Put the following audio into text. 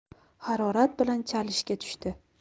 harorat bilan chalishga tushdi